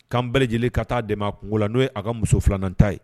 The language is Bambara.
K'an bɛ lajɛlen ka taa dɛmɛ a kungo la n'o ye a ka muso 2 nan ta ye